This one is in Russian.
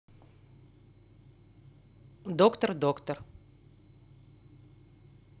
доктор доктор